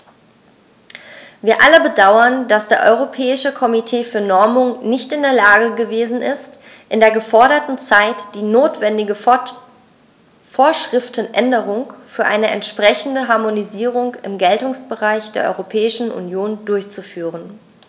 Wir alle bedauern, dass das Europäische Komitee für Normung nicht in der Lage gewesen ist, in der geforderten Zeit die notwendige Vorschriftenänderung für eine entsprechende Harmonisierung im Geltungsbereich der Europäischen Union durchzuführen.